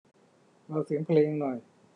เบาเสียงเพลงหน่อย